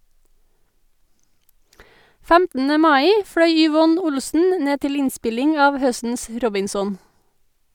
15. mai fløy Yvonne Olsen ned til innspilling av høstens "Robinson".